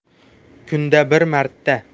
kunda bir marta